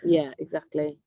Ie, exactly.